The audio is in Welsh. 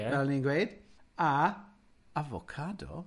Fel o'n i'n gweud, a avocado.